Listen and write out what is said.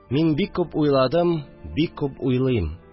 Мин бик күп уйладым, бик күп уйлыйм